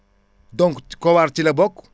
donc Kowar ci la bokk